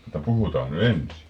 mutta puhutaan nyt ensin